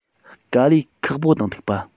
དཀའ ལས ཁག པོ དང ཐུག པ